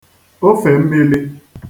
ofèmmīlī